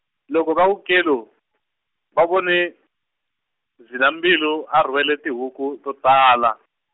loko va ku kelu, va vone Zilambilu a rhwale tihuku to tala.